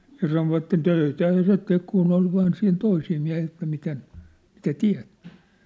ja sanoivat töitähän se teki kun oli vain siinä toisia miehiä että miten mitä teet